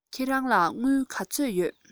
ཁྱེད རང ལ དངུལ ག ཚོད ཡོད